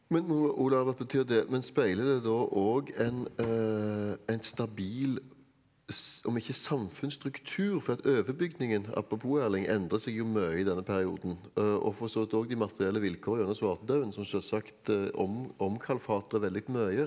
men Olav men speiler det da òg en en stabil om ikke samfunnsstruktur for at overbygningen apropos Erling endrer seg jo mye i denne perioden og for så vidt òg de materielle vilkår gjennom svartedauden som sjølsagt omkalfatrer veldig mye.